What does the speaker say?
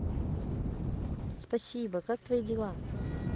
спасибо как твои дела